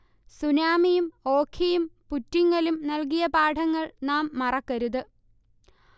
സുനാമിയും, ഓഖിയും, പുറ്റിങ്ങലും നൽകിയ പാഠങ്ങൾ നാം മറക്കരുത്